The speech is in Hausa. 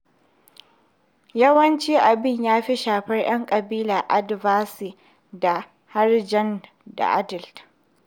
Yawanci abin ya fi shafar 'yan ƙabilar Adivasi da Harijan da Dalit.